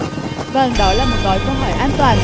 vâng đó là một gói câu hỏi an toàn